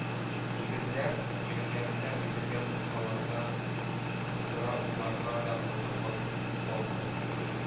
«егетләр» иреннәренә тидергән бокаллардан сыра уртларга да онытып катып калды